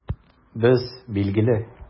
Без, билгеле!